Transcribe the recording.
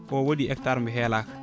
o waɗi hectare mo heelaka